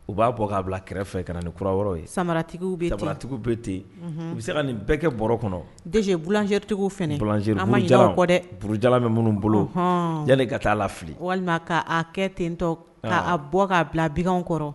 U b'a bɔ k'a bila kɛrɛfɛ, ka na nin kura wɛrɛw ye, samaratigiw bɛ ten, samara tigiw bɛ ten, u bɛ se ka nin bɛɛ bɔ bɔrɔ kɔnɔ, DG boulangerie tigiw fana, an ma ɲinɛ olu fana kɔ dɛ burujalan, unhun burujalan bɛ minnu bolo, yani ka taa la lafili walima ka kɛ ten dɔrɔn, ka bɔ k'a bila baganw kɔrɔ.